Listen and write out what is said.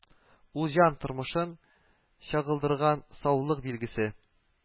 Ул җан торышын чагылдырган саулык билгесе